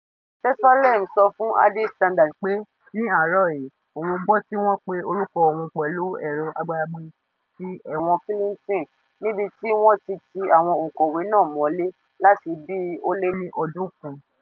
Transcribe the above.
Tesfalem sọ fún Addis Standard pé ní àárọ̀ yìí òun gbọ́ tí wọ́n pé orúkọ òun pẹ̀lú ẹ̀rọ agbagbe ti Ẹ̀wọ̀n Kilinto, níbi tí wọ́n tí ti àwọn ọ̀ǹkọ̀wé náà mọ́lé láti bíi ó lé ní ọdún kan.